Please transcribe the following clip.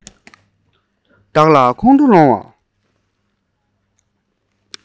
བདག ལ ཁོང ཁྲོ སློང བ